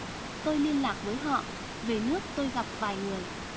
tôi liên lạc với họ về nước tôi gặp vài người